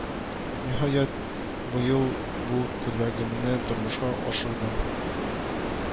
Ниһаять, быел бу теләгемне тормышка ашырдым